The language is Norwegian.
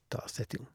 Da setter jeg i gang.